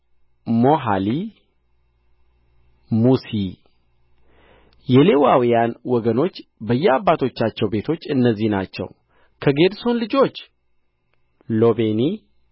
ሞሖሊም ሙሲ የሌዋውያን ወገኖች በየአባቶቻቸው ቤቶች እነዚህ ናቸው ከጌድሶን ልጁ ሎቤኒ